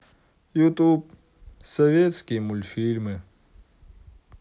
ютюб советские мультфильмы